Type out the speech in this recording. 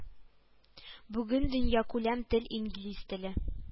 Бүген дөньякүләм тел инглиз теле